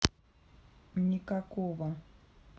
никакого